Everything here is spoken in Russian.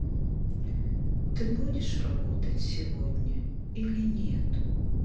ты будешь работать сегодня или нет